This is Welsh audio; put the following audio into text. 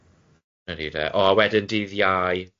Ne' ni de o a wedyn dydd Iau